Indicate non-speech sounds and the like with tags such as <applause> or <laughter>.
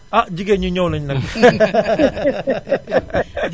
ah jigéen ñi ñëw nañu nag <laughs>